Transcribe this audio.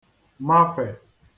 mafè